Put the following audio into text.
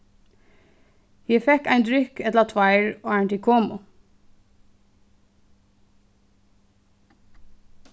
eg fekk ein drykk ella tveir áðrenn tit komu